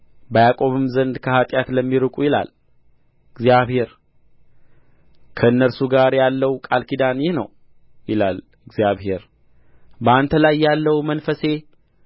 በያዕቆብም ዘንድ ከኃጢአት ለሚርቁ ይላል እግዚአብሔር ከእርሱ ጋር ያለው ቃል ኪዳኔ ይህ ነው ይላል እግዚአብሔር በአንተ ላይ ያለው መንፈሴ